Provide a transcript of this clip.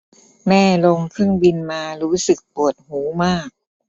แม่ลงเครื่องบินมารู้สึกปวดหูมาก